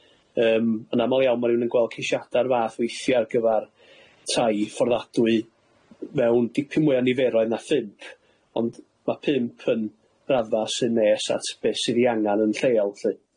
Yym, yn amal iawn ma' rywun yn gweld ceisiada o'r fath weithia ar gyfar tai fforddadwy mewn dipyn mwy o niferoedd na phump, ond ma' pump yn raddfa sy'n nes at be' sydd i angan yn lleol lly.